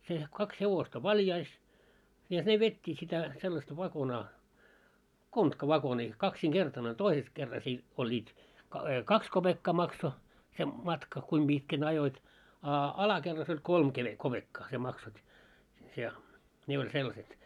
se kaksi hevosta valjaissa ja ne vetivät sitä sellaista vakonaa kontkavakonia kaksinkertainen oli toisessa kerrassa - olivat - kaksi kopeekkaa maksoi se matka kuinka pitkän ajoit a alakerrassa oli kolme - kopeekkaa sinä maksoit ja ne oli sellaiset